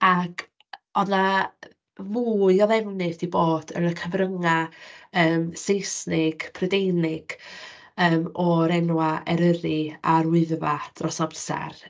Ac oedd yna fwy o ddefnydd 'di bod yn y cyfryngau yym Saesnig, Prydeinig, yym o'r enwau Eryri a'r Wyddfa dros amser.